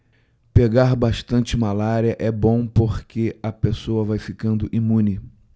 pegar bastante malária é bom porque a pessoa vai ficando imune